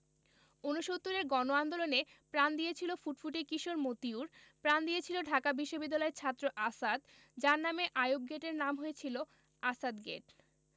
৬৯ এর গণ আন্দোলনে প্রাণ দিয়েছিল ফুটফুটে কিশোর মতিউর প্রাণ দিয়েছিল ঢাকা বিশ্ববিদ্যালয়ের ছাত্র আসাদ যার নামে আইযুব গেটের নাম হয়েছিল আসাদ গেট